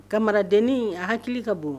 Kama maradin a hakili ka bon